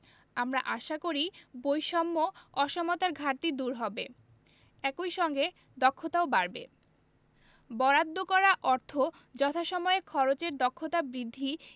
আমরা আশা করি বৈষম্য অসমতার ঘাটতি দূর হবে একই সঙ্গে দক্ষতাও বাড়বে বরাদ্দ করা অর্থ যথাসময়ে খরচের দক্ষতা বৃদ্ধি